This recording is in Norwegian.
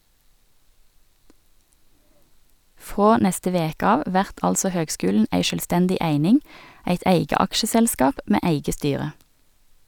Frå neste veke av vert altså høgskulen ei sjølvstendig eining, eit eige aksjeselskap med eige styre.